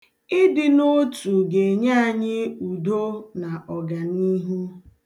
Ịdị n'otu ga-enye anyị udo na ọganihu.